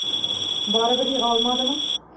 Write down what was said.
Барыбер ега алмадымы?